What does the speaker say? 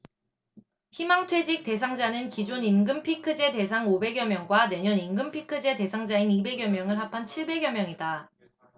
희망퇴직 대상자는 기존 임금피크제 대상 오백 여 명과 내년 임금피크제 대상자인 이백 여 명을 합한 칠백 여 명이다